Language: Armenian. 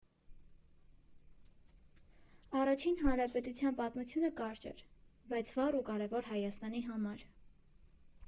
Առաջին հանրապետության պատմությունը կարճ էր, բայց վառ ու կարևոր Հայաստանի համար։